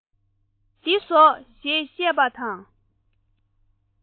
འདི ཟོ ཞེས བཤད པ དང